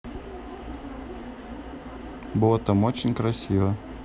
bottom очень красиво